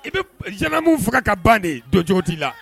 I bɛ zinamu faga ka ban de don cogo' la